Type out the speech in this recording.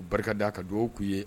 O barika da'a ka dugawu k'u ye